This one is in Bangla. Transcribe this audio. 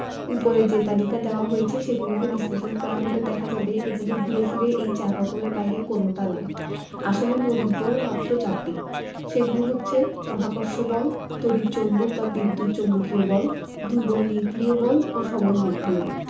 ওপরে যে তালিকা দেওয়া হয়েছে সেগুলোকে বিশ্লেষণ করা হলে দেখা যাবে এগুলো ঘুরে ফিরে এই চার রকমের বাইরে কোনোটা নয় আসলে মৌলিক বল মাত্র চারটি সেগুলো হচ্ছে মহাকর্ষ বল তড়িৎ চৌম্বক বা বিদ্যুৎ চৌম্বকীয় বল দুর্বল নিউক্লিয় বল ও সবল নিউক্লিয় বল